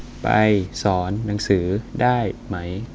ไปสอนหนังสือได้ไหม